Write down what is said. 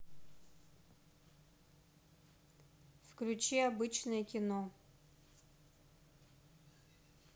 включи обычное кино